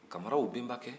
kamaraw bɛnbakɛ